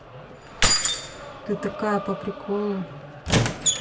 ты такая по приколу